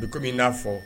I kɔmi min n'a fɔ